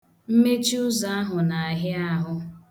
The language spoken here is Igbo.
Mmechi ụzọ ahụ na-ahịa ahụ.